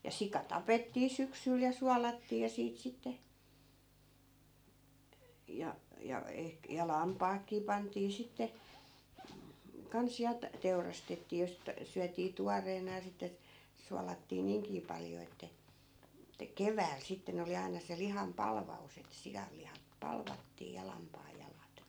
ja sika tapettii syksyllä ja suolattiin ja siitä sitten ja ja - ja lampaatkin pantiin sitten kanssa ja - teurastettiin ja sitten syötiin tuoreena ja sitten suolattiin niinkin paljon että että keväällä sitten oli aina se lihan palvaus että sianlihat palvattiin ja lampaanjalat